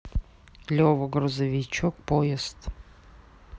лева грузовичок поезд